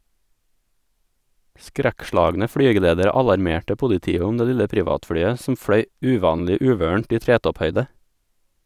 Skrekkslagne flygeledere alarmerte politiet om det lille privatflyet, som fløy uvanlig uvørent i tretopphøyde.